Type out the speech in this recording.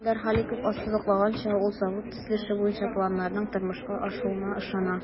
Илдар Халиков ассызыклавынча, ул завод төзелеше буенча планнарның тормышка ашуына ышана.